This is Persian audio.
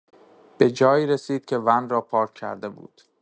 به جایی رسید که ون را پارک کرده بود.